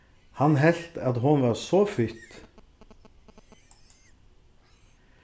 hann helt at hon var so fitt